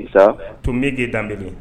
Sisan tun bɛge dab